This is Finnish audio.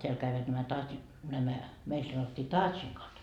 täällä kävivät nämä - nämä meillä sanottiin taatsnikot